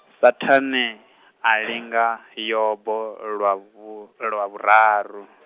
Saṱhane, a linga Yobo lwa vhu lwa vhuraru .